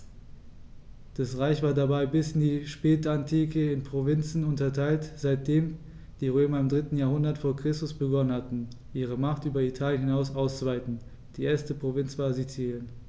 Das Reich war dabei bis in die Spätantike in Provinzen unterteilt, seitdem die Römer im 3. Jahrhundert vor Christus begonnen hatten, ihre Macht über Italien hinaus auszuweiten (die erste Provinz war Sizilien).